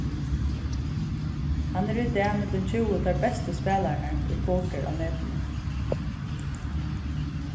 hann er í dag millum tjúgu teir bestu spælararnar í poker á netinum